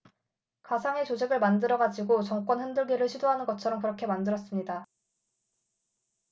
가상의 조직을 만들어 가지고 정권 흔들기를 시도하는 것처럼 그렇게 만들었습니다